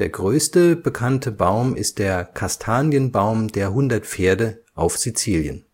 größte bekannte Baum ist der „ Castagno dei Cento Cavalli “(Kastanienbaum der hundert Pferde) auf Sizilien